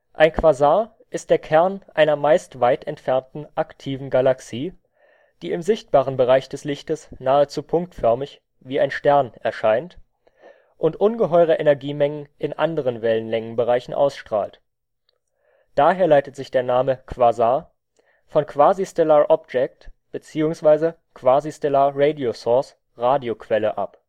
Ein Quasar ist der Kern einer meist weit entfernten aktiven Galaxie, die im sichtbaren Bereich des Lichtes nahezu punktförmig (wie ein Stern) erscheint und ungeheure Energiemengen in anderen Wellenlängenbereichen ausstrahlt. Daher leitet sich der Name Quasar von Quasi-Stellar Object bzw. Quasi-Stellar Radio Source (Radioquelle) ab